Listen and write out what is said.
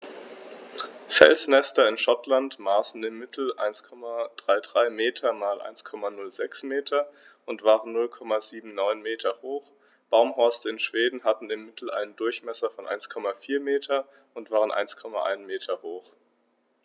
Felsnester in Schottland maßen im Mittel 1,33 m x 1,06 m und waren 0,79 m hoch, Baumhorste in Schweden hatten im Mittel einen Durchmesser von 1,4 m und waren 1,1 m hoch.